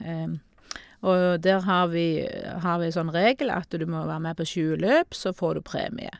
Og der har vi har vi sånn regel at du må være med på tjue løp, så får du premie.